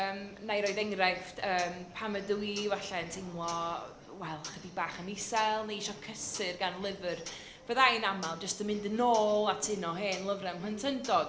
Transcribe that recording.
Na i roi'r enghraifft, pam ydw i efallai yn teimlo, wel, ychydig bach yn isel neu isio cysur gan lyfr, byddai'n aml jyst yn mynd yn ôl at un o hen lyfrau ym Mhlyntyndod.